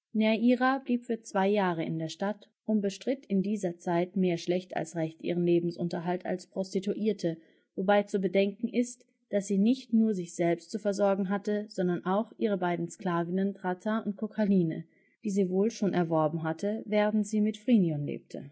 Neaira blieb für zwei Jahre in der Stadt und bestritt in dieser Zeit mehr schlecht als recht ihren Lebensunterhalt als Prostituierte, wobei zu bedenken ist, dass sie nicht nur sich selbst zu versorgen hatte, sondern auch ihre beiden Sklavinnen Thratta und Kokkaline, die sie wohl schon erworben hatte, während sie mit Phrynion lebte